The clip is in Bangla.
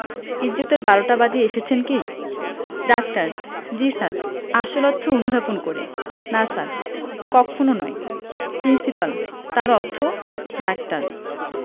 ইজ্জতের বারোটা বাজিয়ে এসেছেন কি ডাক্তার জ্বী স্যার আসল অর্থ অনুধাবন করে না স্যার কক্ষণো নয় প্রিন্সিপাল তার অর্থ ডাক্তার